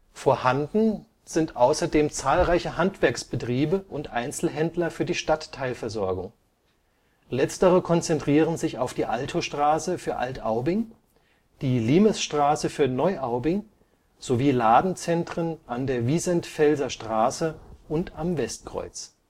Vorhanden sind außerdem zahlreiche Handwerksbetriebe und Einzelhändler für die Stadtteilversorgung. Letztere konzentrieren sich auf die Altostraße für Alt-Aubing, die Limesstraße für Neuaubing sowie Ladenzentren an der Wiesentfelser Straße und am Westkreuz